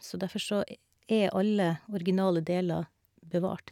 Så derfor så e er alle originale deler bevart.